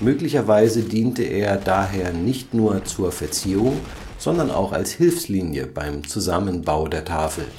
Möglicherweise diente er daher nicht nur zur Verzierung, sondern auch als Hilfslinie beim Zusammenbau der Tafel